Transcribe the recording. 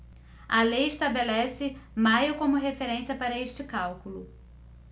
a lei estabelece maio como referência para este cálculo